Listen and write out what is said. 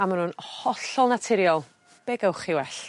a ma' nw'n hollol naturiol be' gewch chi well?